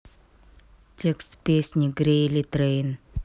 текст песни грейли трейн